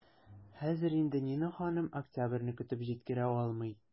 Хәзер инде Нина ханым октябрьне көтеп җиткерә алмый.